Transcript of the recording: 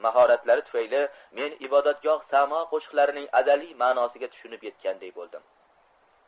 mahoratlari tufayli men ibodatgoh samo qo'shiqlarining azaliy manosiga tushunib yetganday bo'ldim